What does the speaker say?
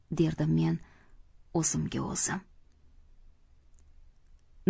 derdim men o'zimga o'zim